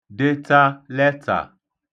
deta letà